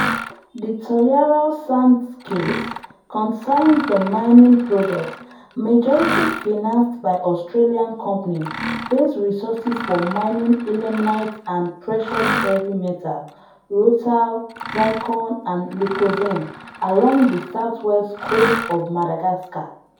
ZR: The Toliara Sands case concerns the mining project majority-financed by Australian company Base Resources for mining ilmenite and precious heavy metals (rutile, zircon and leucoxene) along the southwest coast of Madagascar.